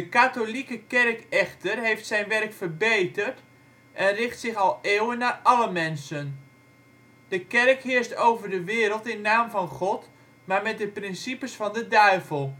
katholieke kerk echter heeft zijn werk verbeterd en richt zich al eeuwen naar alle mensen. De kerk heerst over de wereld in naam van God, maar met de principes van de duivel